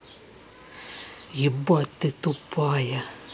ебать ты тупая